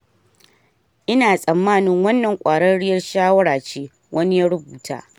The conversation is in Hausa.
"Ina tsammanin wannan kwararriyar shawara ce,” wani ya rubuta.